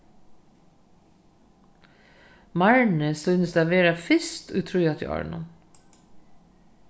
marni sýnist at vera fyrst í tríatiárunum